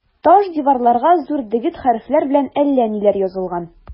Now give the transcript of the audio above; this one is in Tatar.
Таш диварларга зур дегет хәрефләр белән әллә ниләр язылган.